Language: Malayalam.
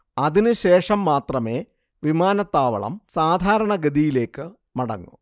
അതിന് ശേഷം മാത്രമേ വിമാനത്താവളം സാധാരണഗതിയിലേക്ക് മടങ്ങൂ